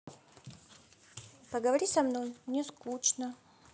поговори со мной мне скучно